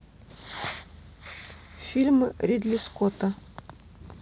фильмы ридли скотта